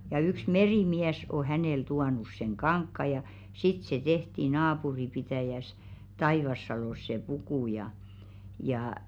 ja yksi merimies on hänelle tuonut sen kankaan ja sitten se tehtiin naapuripitäjässä Taivassalossa se puku ja ja